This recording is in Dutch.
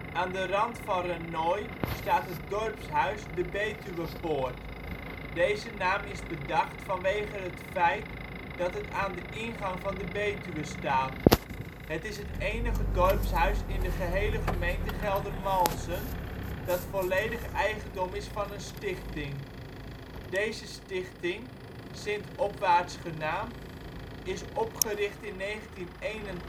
Aan de rand van Rhenoy staat het dorpshuis ' De Betuwe Poort '. Deze naam is bedacht vanwege het feit dat het aan de ' ingang ' van de betuwe staat. Het is het enige dorpshuis in de gehele gemeente Geldermalsen, dat volledig eigendom is van een stichting. Deze stichting, St. Opwaarts genaamd, is opgericht in 1981